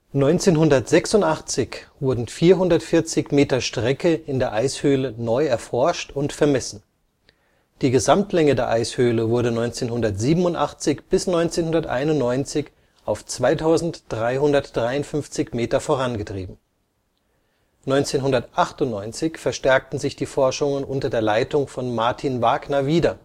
1986 wurden 440 Meter Strecke in der Eishöhle neu erforscht und vermessen. Die Gesamtlänge der Eishöhle wurde 1987 bis 1991 auf 2353 Meter vorangetrieben. 1998 verstärkten sich die Forschungen unter der Leitung von Martin Wagner wieder